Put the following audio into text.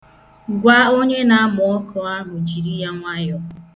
Gwa onye na-amụ ọkụ ahụ jiri ya nwayọọ.